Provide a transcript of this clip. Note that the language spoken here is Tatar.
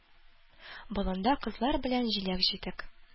Болында кызлар белән җиләк җыйдык.